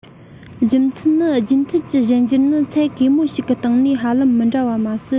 རྒྱུ མཚན ནི རྒྱུན མཐུད ཀྱི གཞན འགྱུར ནི ཚད གེ མོ ཞིག གི སྟེང ནས ཧ ལམ མི འདྲ བ མ ཟད